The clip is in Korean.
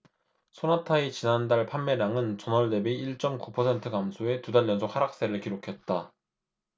쏘나타의 지난달 판매량은 전월 대비 일 쩜 구 퍼센트 감소해 두 달 연속 하락세를 기록했다